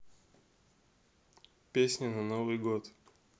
песни на новый год